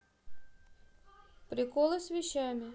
приколы с вещами